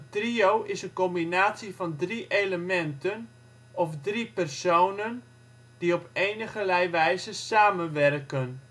trio is een combinatie van drie elementen of drie personen die op enigerlei wijze samenwerken